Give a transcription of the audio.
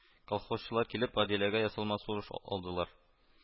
Колхозчылар килеп, Гадиләгә ясалма сулыш алдылар